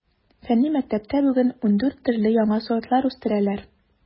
Фәнни мәктәптә бүген ундүрт төрле яңа сортлар үстерәләр.